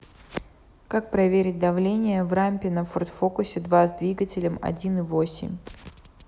как проверить давление в рампе на форд фокусе два с двигателем один и восемь